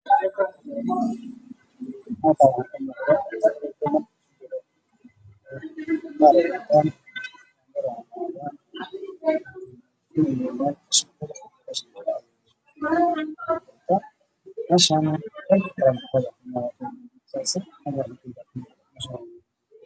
Halkaan waa meel xeeb ah waxaana ka muuqdo dad nadaafada ku shuqul leh meesha ka hayo hawl nadaafad ah